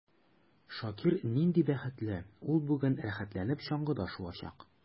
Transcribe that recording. Шакир нинди бәхетле: ул бүген рәхәтләнеп чаңгыда шуачак.